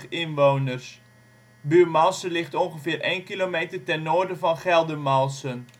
inwoners. Buurmalsen ligt ongeveer 1 kilometer ten noorden van Geldermalsen